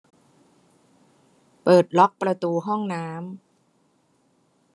เปิดล็อกประตูห้องน้ำ